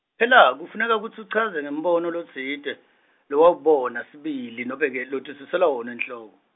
phela kufuneka kutsi uchaze ngembono lotsite, lowawubona sibili noma ge- lotisusela wona enhloko.